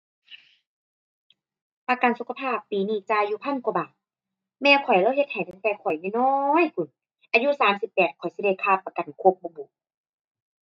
ประกันสุขภาพปีนี้จ่ายอยู่พันกว่าบาท แม่ข้อยเลาเฮ็ดให้ตั้งแต่ข้อยน้อยน้อยพู้น อายุสามสิบแปดข้อยสิได้ค่าประกันครบบ่บุ